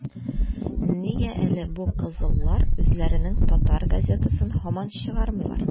- нигә әле бу кызыллар үзләренең татар газетасын һаман чыгармыйлар?